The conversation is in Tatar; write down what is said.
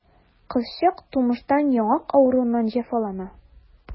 Кызчык тумыштан яңак авыруыннан җәфалана.